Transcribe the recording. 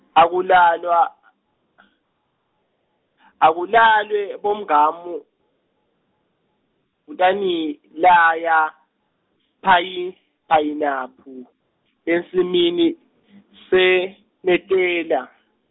akulalwa , akulalwe, bomngamu, utanilaya, phayi- phayinaphu, ensimini, senetela.